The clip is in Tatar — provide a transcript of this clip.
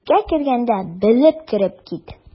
Кибеткә кергәндә белеп кереп кит.